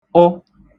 -tụ